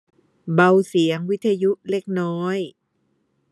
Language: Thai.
เบาเสียงวิทยุเล็กน้อย